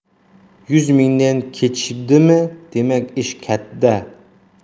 yuz mingdan kechishibdimi demak ish katta